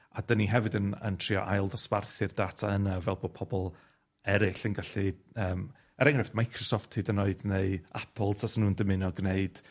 a 'dan ni hefyd yn yn trio ail-ddosbarthu'r data yna, fel bo' pobol erill yn gallu yym, er enghraifft, Microsoft hyd yn oed neu Apple tasen nw'n dymuno gwneud